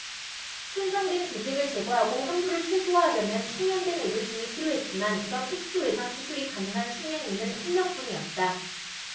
손상된 조직을 제거하고 환부를 최소화하려면 숙련된 의료진이 필요했지만 이런 특수외상 수술이 가능한 숙련의는 한 명뿐이었다